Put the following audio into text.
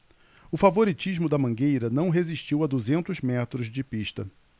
o favoritismo da mangueira não resistiu a duzentos metros de pista